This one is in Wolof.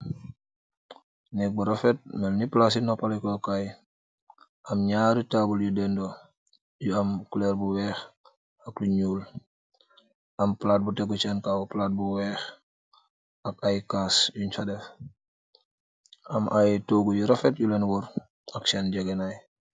Nehgg bu rafet melni plassi nopaleh kor kaii, amm njaari taabul yu ndehndor yu am couleur bu wekh ak lu njull, am platt bu tehgu sen kaw, platt bu wekh ak aiiy kass yungh fa deff, am aiiy tohgu yu rafet yulen worre ak sen njeh gehh naii.